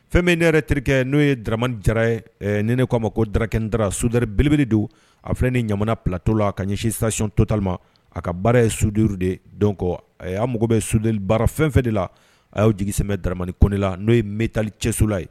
Fɛn min ne yɛrɛ terikɛke n'o ye damani jara ye ni ne k'a ma ko darakɛ dara sud belebele don a filɛ ni ɲa ptɔ la a ka ɲɛsinsasiy totama a ka baara ye su duuru de dɔn kɔ a'a mago bɛ sud baara fɛnfɛ de la a y'o jigi sɛ dramani kɔn la n'o ye mtali cɛso la ye